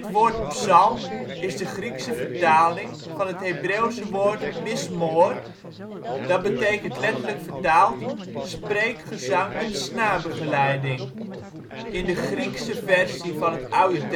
woord ' psalm ' is de Griekse vertaling van het Hebreeuwse woord ' mizmoor '. Dat betekent letterlijk vertaald " spreekgezang met snaarbegeleiding ", in de Griekse Versie van het Oude Testament